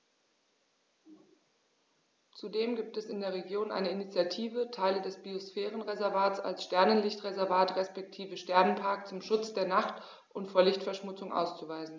Zudem gibt es in der Region eine Initiative, Teile des Biosphärenreservats als Sternenlicht-Reservat respektive Sternenpark zum Schutz der Nacht und vor Lichtverschmutzung auszuweisen.